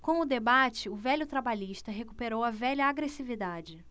com o debate o velho trabalhista recuperou a velha agressividade